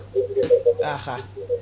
ahah